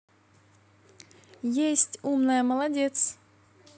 есть умная молодец